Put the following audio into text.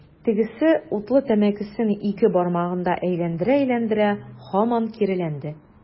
Тегесе, утлы тәмәкесен ике бармагында әйләндерә-әйләндерә, һаман киреләнде.